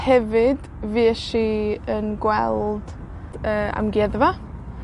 Hefyd, fuesh i yn gweld y amgueddfa.